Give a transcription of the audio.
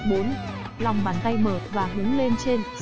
lòng bàn tay mở và hướng lên trên sẽ tạo sự tin tưởng